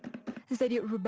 giai điệu rum